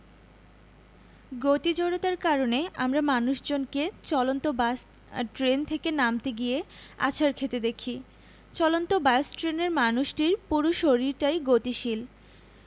গতি জড়তার কারণে আমরা মানুষজনকে চলন্ত বাস ট্রেন থেকে নামতে গিয়ে আছাড় খেতে দেখি চলন্ত বাস ট্রেনের মানুষটির পুরো শরীরটাই গতিশীল